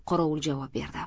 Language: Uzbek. qorovul javob berdi